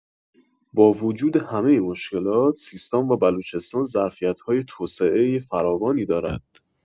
با وجود همه مشکلات، سیستان و بلوچستان ظرفیت‌های توسعه فراوانی دارد.